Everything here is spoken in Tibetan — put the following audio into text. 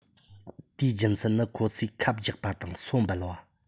དེའི རྒྱུ མཚན ནི ཁོ ཚོས ཁབ རྒྱག པ དང སོ འབལ བ